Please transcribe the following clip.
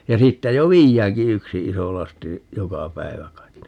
ja siitä jo viedäänkin yksi iso lasti joka päivä kai